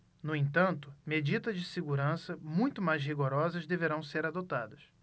no entanto medidas de segurança muito mais rigorosas deverão ser adotadas